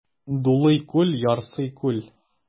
Дулый күл, ярсый күл.